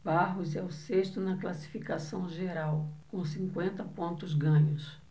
barros é o sexto na classificação geral com cinquenta pontos ganhos